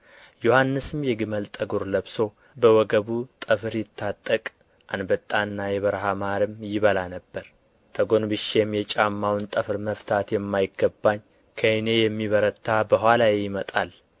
ዮሐንስም የግመል ጠጉር ለብሶ በወገቡ ጠፍር ይታጠቅ አንበጣና የበረሀ ማርም ይበላ ነበር ተጎንብሼ የጫማውን ጠፍር መፍታት የማይገባኝ ከእኔ የሚበረታ በኋላዬ ይመጣል